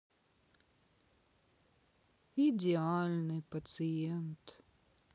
идеальный пациент